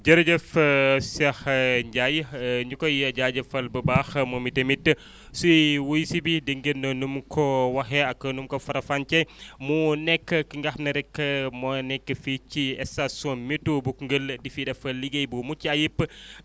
jërëjëf Cheikh Ndiaye ñu koy jaajëfal bu baax moom itamit si wuyu si bi dégg ngeen nu mu ko waxee ak nu mu ko faram-fàccee mu nekk ki nga xam ne rek moo nekk fii ci station météo bu Koungheul di fi def liggéey bu mucc ayib